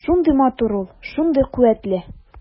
Шундый матур ул, шундый куәтле.